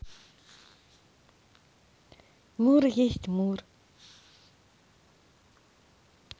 мур есть мур